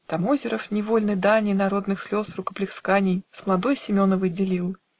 Там Озеров невольны дани Народных слез, рукоплесканий С младой Семеновой делил